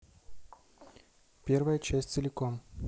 первая часть целиком